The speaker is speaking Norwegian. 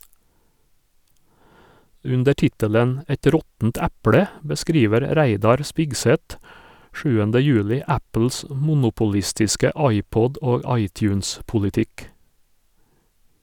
Under tittelen "Et råttent eple" beskriver Reidar Spigseth 7. juli Apples monopolistiske iPod- og iTunes-politikk.